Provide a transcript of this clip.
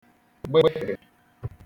gbefè